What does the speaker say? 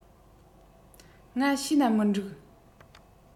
ང བྱས ན མི འགྲིག